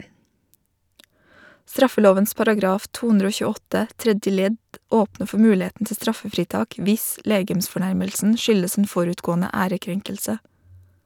Straffelovens paragraf 228, 3.ledd åpner for muligheten til straffefritak hvis legemsfornærmelsen skyldes en forutgående ærekrenkelse.